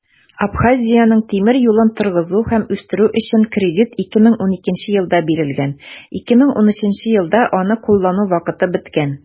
Абхазиянең тимер юлын торгызу һәм үстерү өчен кредит 2012 елда бирелгән, 2013 елда аны куллану вакыты беткән.